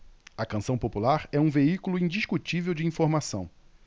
a canção popular é um veículo indiscutível de informação